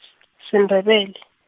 s- siNdebele.